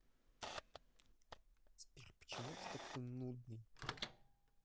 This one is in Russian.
сбер почему ты такой нудный